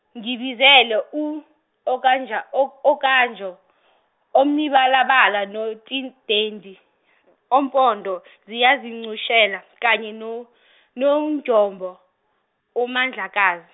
ngibizele u Okanja, u Okanjo , omibalabala noTidendi, ompondo ziyizincushela kanye noNongjombo uMandlakazi.